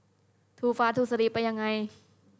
ทูฟาสต์ทูสลีบไปยังไง